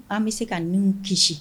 An bɛ se ka n kisi